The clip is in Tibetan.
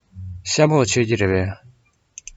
ཤ མོག མཆོད ཀྱི རེད པས